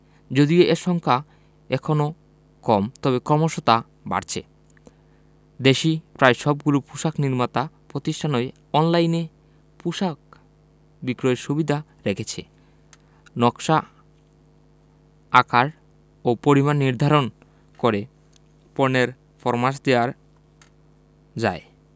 যদি এ সংখ্যা এখনো কম তবে ক্রমশ তা বাড়ছে দেশি প্রায় সবগুলো পোশাক নির্মাতা পতিষ্ঠানই অনলাইনে পোশাক বিক্রির সুবিধা রেখেছে নকশা আকার ও পরিমাণ নির্ধারণ করে পণ্যের ফরমাশ দেওয়া যায়